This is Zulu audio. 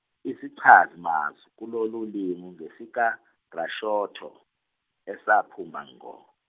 isichazi mazwi kulolu limi ngesikaBrashotto- esaphuma ngo.